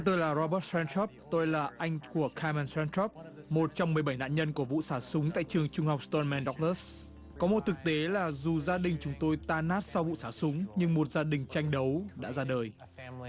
tôi là rô bốt sen tróp tôi là anh của ca mần sen tróp một trong mười bảy nạn nhân của vụ xả súng tại trường trung học sờ tơn men đong ớt có một thực tế là dù gia đình chúng tôi đã tan nát sau vụ xả súng như một gia đình tranh đấu đã ra đời ở i